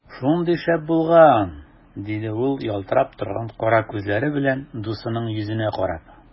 Шундый шәп булган! - диде ул ялтырап торган кара күзләре белән дусының йөзенә карап.